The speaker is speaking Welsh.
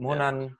...ma' wnna'n